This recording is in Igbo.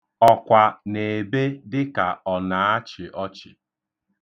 Ọkwa na-ebe dịka ọ na-achị ọchị.